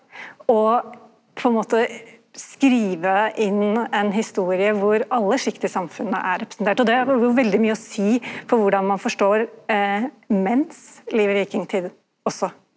og på ein måte skrive inn ein historie kor alle sjikt i samfunnet er representert og det veldig mykje å seie for korleis ein forstår menns liv i vikingtid også.